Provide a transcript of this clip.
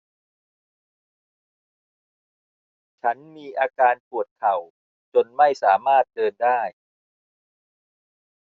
ฉันมีอาการปวดเข่าจนไม่สามารถเดินได้